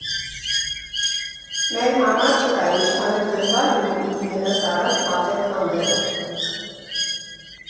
Մեր համար չկա, ինչքան էլ դժվար լինի, պիտի գնաս առաջ պատեր քանդելով։